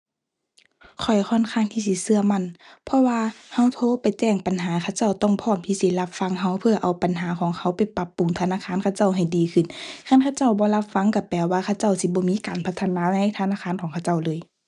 ข้อยค่อนข้างที่สิเชื่อมั่น เพราะว่าเชื่อโทรไปแจ้งปัญหาเขาเจ้าต้องพร้อมที่สิรับฟังเชื่อเพื่อเอาปัญหาของเชื่อไปปรับปรุงธนาคารของเขาเจ้าให้ดีขึ้น คันเขาเจ้าบ่รับฟังเชื่อแปลว่าเขาเจ้าสิบ่มีการพัฒนาในธนาคารของเขาเจ้าเลย